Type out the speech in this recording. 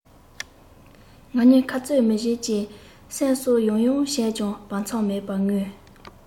ང གཉིས ཁ རྩོད མི བྱེད ཅེས སེམས གསོ ཡང ཡང བྱས ཀྱང བར མཚམས མེད པར ངུས